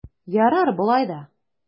Ярар болай да!